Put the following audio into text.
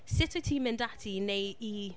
Sut wyt ti'n mynd ati i neu- i...